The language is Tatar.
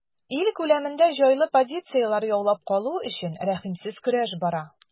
Ил күләмендә җайлы позицияләр яулап калу өчен рәхимсез көрәш бара.